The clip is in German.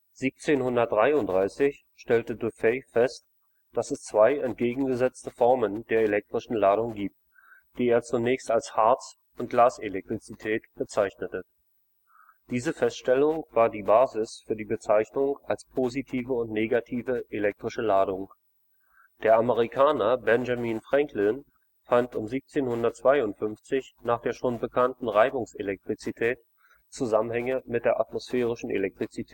1733 stellte Dufay fest, dass es zwei entgegengesetzte Formen der elektrischen Ladung gibt, die er zunächst als Harz - und Glaselektrizität bezeichnete. Diese Feststellung war die Basis für die Bezeichnung als positive und negative elektrische Ladung. Der Amerikaner Benjamin Franklin fand um 1752 nach der schon bekannten Reibungselektrizität Zusammenhänge mit der atmosphärischen Elektrizität